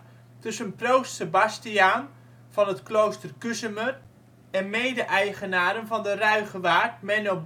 tussen proost Sebastiaan van het klooster Kuzemer en mede-eigenaren van de Ruigewaard Menno